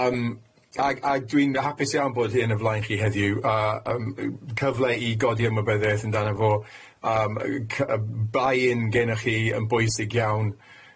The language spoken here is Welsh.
Yym ag ag dwi'n hapus iawn bod hyn o flaen chi heddiw a yym yy cyfle i godi ymwybyddiaeth amdano fo yym yy cy- yy buy-in gennych chi yn bwysig iawn.